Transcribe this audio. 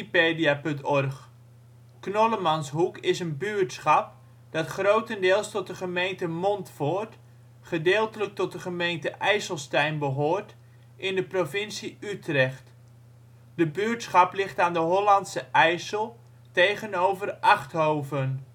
een buurtschap dat grotendeels tot de gemeente Montfoort, gedeeltelijk tot de gemeente IJsselstein behoort in de provincie Utrecht. De buurtschap ligt aan de Hollandsche IJssel tegenover Achthoven